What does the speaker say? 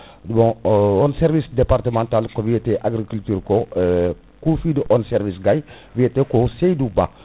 bon on service départemental ko wiyate agriculturée ko kufiɗo on service Gaye wiyate ko Saydou Ba